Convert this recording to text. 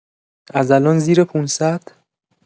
از الان زیر ۵۰۰؟